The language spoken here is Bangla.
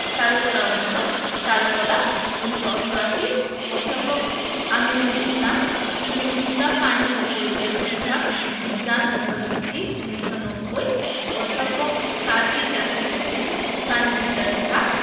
চারুকলা অনুষদ চারুকলা ১৯৮৮ অধ্যাপক আমিনুল ইসলাম মৃত্তিকা পানি ও পরিবেশ বিভাগ বিজ্ঞান ও প্রযুক্তি ১৯৯০ অধ্যাপক কাজী জাকের হোসেন প্রাণিবিদ্যা বিভাগ